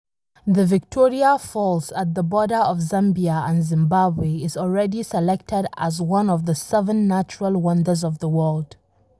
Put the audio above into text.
The Victoria Falls at the border of Zambia and Zimbabwe is already selected as one of the seven natural wonders of the world.